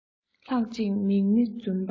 ལྷ ཅིག མིག མི འཛུམ པ